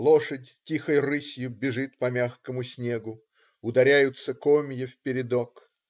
Лошадь тихой рысью бежит по мягкому снегу, ударяются комья в передок.